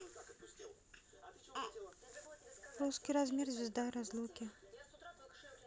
русский размер звезда разлуки